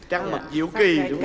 trăng mật diệu kì đúng